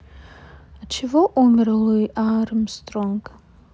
от чего умер луи амстронг